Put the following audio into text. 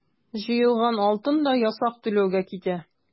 Җыелган алтын да ясак түләүгә китә.